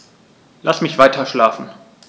Lass mich weiterschlafen.